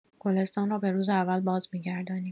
گلستان را به‌روز اول بازمی‌گردانیم.